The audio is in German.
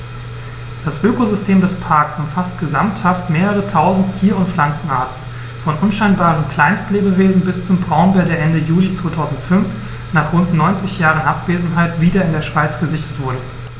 Das Ökosystem des Parks umfasst gesamthaft mehrere tausend Tier- und Pflanzenarten, von unscheinbaren Kleinstlebewesen bis zum Braunbär, der Ende Juli 2005, nach rund 90 Jahren Abwesenheit, wieder in der Schweiz gesichtet wurde.